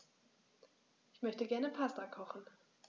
Ich möchte gerne Pasta kochen.